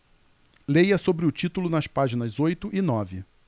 leia sobre o título nas páginas oito e nove